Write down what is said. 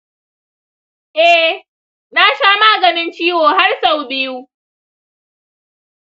eh, nasha maganin ciwo har sau biyu.